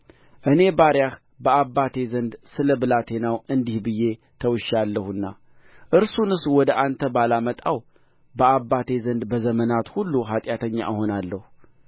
እኔ ባሪያህ በአባቴ ዘንድ ስለ ብላቴናው እንዲህ ብዬ ተውሼአለሁና እርሱንስ ወደ አንተ ባላመጣው በአባቴ ዘንድ በዘመናት ሁሉ ኃጢአተኛ እሆናለሁ